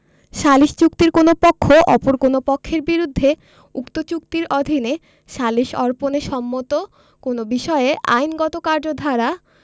সালিস চুক্তির কোন পক্ষ অপর কোন পক্ষের বিরুদ্ধে উক্ত চুক্তির অধীনৈ সালিস অর্পণে সম্মত কোন বিষয়ে আইনগত কার্যধারা